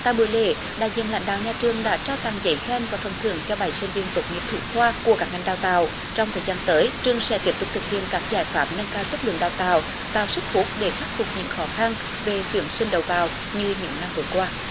tại buổi lễ đại diện lãnh đạo nhà trường đã trao tặng giấy khen và phần thưởng cho bảy sinh viên tốt nghiệp thủ khoa của các ngành đào tạo trong thời gian tới trường sẽ tiếp tục thực hiện các giải pháp nâng cao chất lượng đào tạo tạo sức hút để khắc phục những khó khăn về tuyển sinh đầu vào như những năm vừa qua